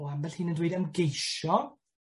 O ambell un yn dweud ymgeisio.